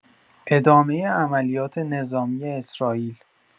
ادامه عملیات نظامی اسرائیل